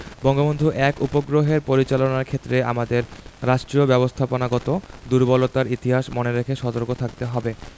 বঙ্গবন্ধু ১ উপগ্রহের পরিচালনার ক্ষেত্রে আমাদের রাষ্ট্রীয় ব্যবস্থাপনাগত দূর্বলতার ইতিহাস মনে রেখে সতর্ক থাকতে হবে